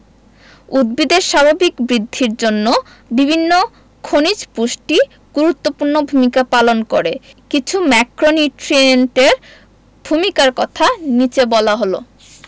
উদ্ভিদের স্বাভাবিক বৃদ্ধির জন্য বিভিন্ন খনিজ পুষ্টি গুরুত্বপূর্ণ ভূমিকা পালন করে কিছু ম্যাক্রোনিউট্রিয়েন্টের ভূমিকার কথা নিচে বলা হল